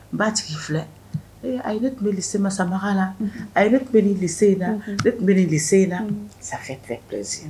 Ba tigi filɛ a tun bɛ ma sa la a tun bɛ le in la tun bɛ in lasi